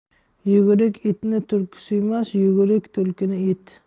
yuguruk itni tulki suymas yuguruk tulkini it